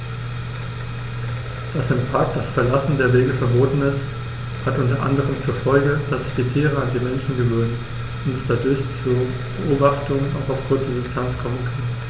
Dass im Park das Verlassen der Wege verboten ist, hat unter anderem zur Folge, dass sich die Tiere an die Menschen gewöhnen und es dadurch zu Beobachtungen auch auf kurze Distanz kommen kann.